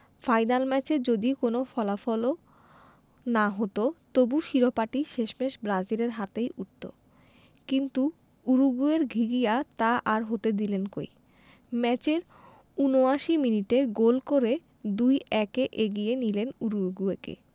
final ম্যাচে যদি কোনো ফলাফলও না হতো তবু শিরোপাটি শেষমেশ ব্রাজিলের হাতেই উঠত কিন্তু উরুগুয়ের ঘিঘিয়া তা আর হতে দিলেন কই ম্যাচের ৭৯ মিনিটে গোল করে ২ ১ এ এগিয়ে নিলেন উরুগুয়েকে